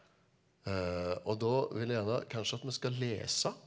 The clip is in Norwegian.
og da vil jeg gjerne kanskje at vi skal lese.